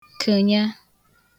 kụ̀nya